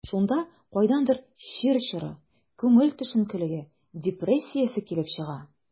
Шунда кайдандыр чир чоры, күңел төшенкелеге, депрессиясе килеп чыга.